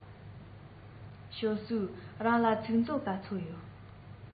ཞའོ སུའུ རང ལ ཚིག མཛོད ག ཚོད ཡོད